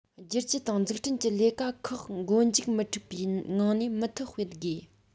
བསྒྱུར བཅོས དང འཛུགས སྐྲུན གྱི ལས ཀ ཁག འགོ མཇུག མི འཁྲུག པའི ངང ནས མུ མཐུད སྤེལ དགོས